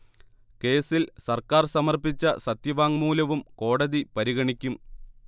കേസിൽ സർക്കാർ സമർപ്പിച്ച സത്യവാങ്മൂലവും കോടതി പരിഗണിക്കും